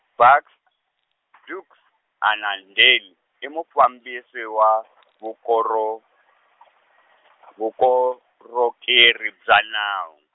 Buks , Buks, Annandale, i mufambisi wa , vukoro- , vukorhokeri bya nawu.